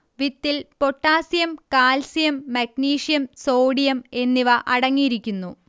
വിത്തിൽ potassium calcium magnesium sodium എന്നിവ അടങ്ങിയിരിക്കുന്നു